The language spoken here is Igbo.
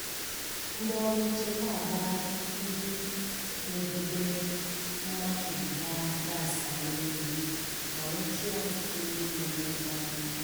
Ndị ọrụ nchekwa agbaala ndị megidere mmachibido ahụ gaasị anya mmiri, ma nwụchie ọtụtụ ndị na-eme ngagharị iwe.